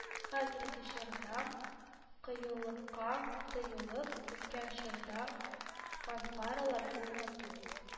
Хәзерге чорда, кыюлыкка тыюлык беткән чорда, фанфаралар уйнату